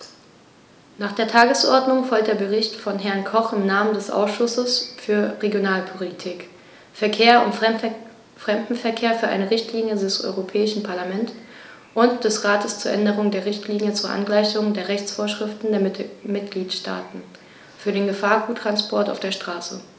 Nach der Tagesordnung folgt der Bericht von Herrn Koch im Namen des Ausschusses für Regionalpolitik, Verkehr und Fremdenverkehr für eine Richtlinie des Europäischen Parlament und des Rates zur Änderung der Richtlinie zur Angleichung der Rechtsvorschriften der Mitgliedstaaten für den Gefahrguttransport auf der Straße.